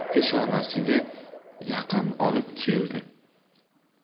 peshanasiga yaqin olib keldi